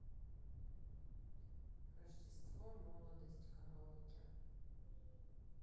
рождество молодость караоке